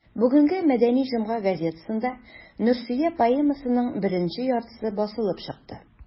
Бүгенге «Мәдәни җомга» газетасында «Нурсөя» поэмасының беренче яртысы басылып чыкты.